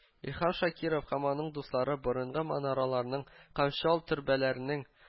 Илһам Шакиров һәм аның дуслары борынгы манараларның һәм чал төрбәләрнең